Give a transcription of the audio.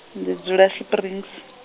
ndi dzula Springs.